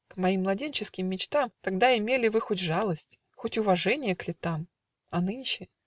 К моим младенческим мечтам Тогда имели вы хоть жалость, Хоть уважение к летам. А нынче!